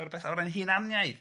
Rwbeth o ran hunaniaeth.